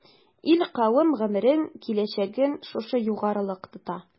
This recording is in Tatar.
Ил-кавем гомерен, киләчәген шушы югарылык тота.